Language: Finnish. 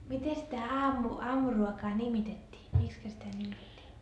miten sitä - aamuruokaa nimitettiin miksikä sitä nimitettiin